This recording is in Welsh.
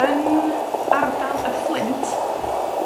Yn ardal y Fflint,